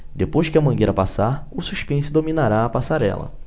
depois que a mangueira passar o suspense dominará a passarela